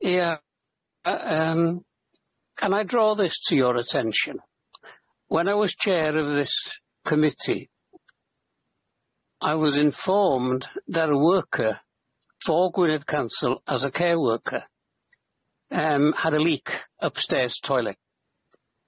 Ia yy yym can I draw this to your attention? When I was chair of this committee, I was informed that a worker for Gwynedd Council as a care worker had a leak upstairs toilet.